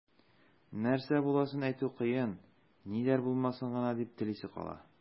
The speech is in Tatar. Нәрсә буласын әйтү кыен, ниләр булмасын гына дип телисе кала.